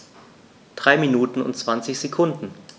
3 Minuten und 20 Sekunden